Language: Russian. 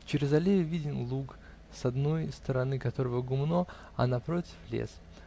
через аллею виден луг, с одной стороны которого гумно, а напротив лес